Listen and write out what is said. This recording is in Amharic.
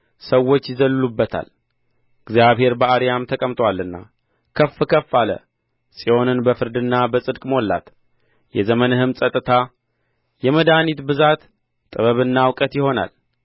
ሰዎች ይዘልሉበታል እግዚአብሔር በአርያም ተቀምጦአልና ከፍ ከፍ አለ ጽዮንን በፍርድና በጽድቅ ሞላት የዘመንህም ጸጥታ የመድኃኒት ብዛት ጥበብና እውቀት ይሆናል